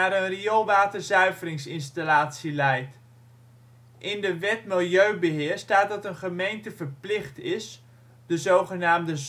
rioolwaterzuiveringsinstallatie leidt. In de Wet milieubeheer staat dat een gemeente verplicht is (de zogenaamde